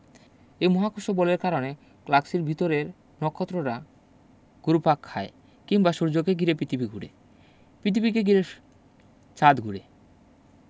এই মহাকর্ষ বলের কারণে গ্লাক্সির ভিতরে নক্ষত্ররা ঘুরপাক খায় কিংবা সূর্যকে ঘিরে পিতিবী ঘুরে পিতিবীকে ঘিরে চাঁদ ঘুরে